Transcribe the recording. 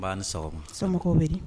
Ba ni samɔgɔw bɛ di